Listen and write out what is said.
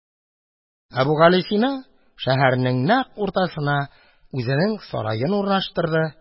Әбүгалисина шәһәрнең нәкъ уртасына үзенең сараен урнаштырды.